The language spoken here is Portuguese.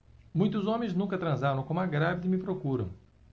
muitos homens nunca transaram com uma grávida e me procuram